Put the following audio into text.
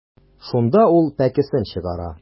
Шунда ул пәкесен чыгара.